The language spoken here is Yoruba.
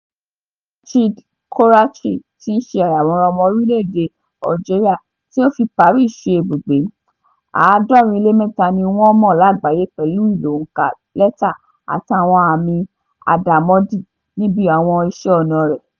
Rachid Koraichi tí í ṣe ayàwòrán ọmọ Orílẹ̀-èdè Algeria tí ó fi Paris ṣe ibùgbé, 73, ni wọ́n mọ̀ lágbàáyé pẹ̀lú àwọn ìlò òǹkà, lẹ́tà, àti àwọn àmì àdàmọ̀dì níbi àwọn iṣẹ́ ọnà rẹ̀.